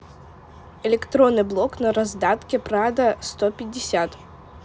электронный блок на раздатке прадо сто пятьдесят